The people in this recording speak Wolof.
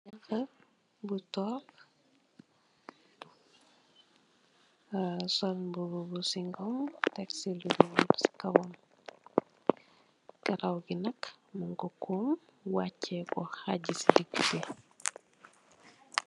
Janxa bu tog ar sol mbubu bu singum tek si kawam kawar bi nak mung ko comb waceey ko si digi bi.